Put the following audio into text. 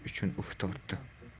uchun uf tortdi